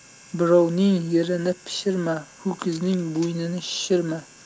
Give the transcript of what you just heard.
birovning yerini pishirma ho'kizning bo'ynini shishirma